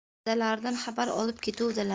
adalaridan xabar olib ketuvdilar